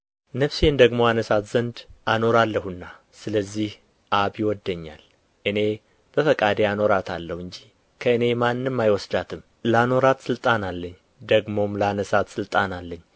ነፍሴን ደግሞ አነሣት ዘንድ አኖራለሁና ስለዚህ አብ ይወደኛል እኔ በፈቃዴ አኖራታለሁ እንጂ ከእኔ ማንም አይወስዳትም ላኖራት ሥልጣን አለኝ ደግሞም ላነሣት ሥልጣን አለኝ